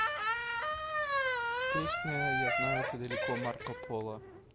песня я знаю ты далеко марко поло